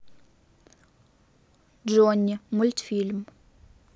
джонни мультфильм